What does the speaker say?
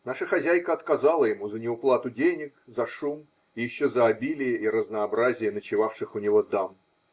Наша хозяйка отказала ему за неуплату денег, за шум и еще за обилие и разнообразие ночевавших у него дам.